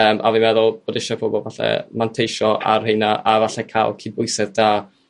ymm a fi'n meddwl bod isie pobol falle manteisio a'r rheina a falle ca'l cydbwysedd da